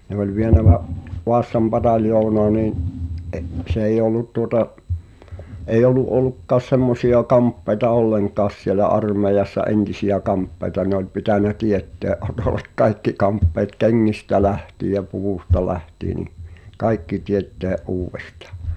ne oli vienyt - Vaasan pataljoonaan niin - se ei ollut tuota ei ollut ollutkaan semmoisia kamppeita ollenkaan siellä armeijassa entisiä kamppeita ne oli pitänyt teettää Otolle kaikki kamppeet kengistä lähtien ja puvusta lähtien niin kaikki tietenkin uudestaan